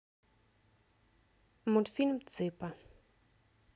мультфильм цыпа